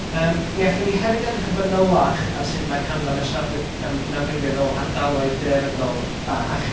yym mi allwn ni hefyd edrych yn fanylach ar sut ma' canran y siaradwyr yym yn amrywio yn ôl ardaloedd daearyddol bach.